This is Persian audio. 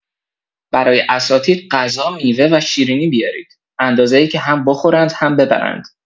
برای اساتید غذا، میوه و شیرینی بیارید، اندازه‌ای که هم بخورند و هم ببرند.